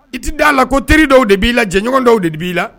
I t tɛ d' a la ko teriri dɔw de b'i la jɛɲɔgɔn dɔw de b'i la